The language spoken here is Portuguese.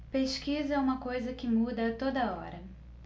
pesquisa é uma coisa que muda a toda hora